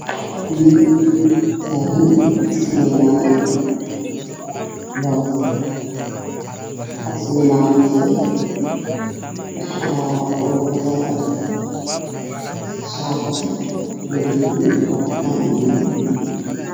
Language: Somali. Nin taagan wuxuu sameynayaa loo geystay beer wuxuu wataa shati madow cataan